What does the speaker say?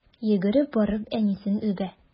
Йөгереп барып әнисен үбә.